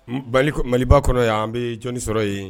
Mali kɔnɔ ye an bɛ jɔnni sɔrɔ yen